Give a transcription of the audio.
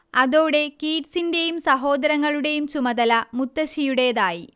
അതോടെ കീറ്റ്സിന്റേയും സഹോദരങ്ങളുടേയും ചുമതല മുത്തശ്ശിയുടേതായി